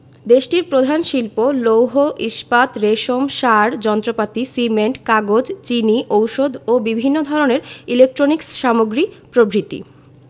দেশটির প্রধান শিল্প লৌহ ইস্পাত রেশম সার যন্ত্রপাতি সিমেন্ট কাগজ চিনি ঔষধ ও বিভিন্ন ধরনের ইলেকট্রনিক্স সামগ্রী প্রভ্রিতি